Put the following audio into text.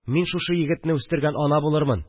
Мин шушы егетне үстергән ана булырмын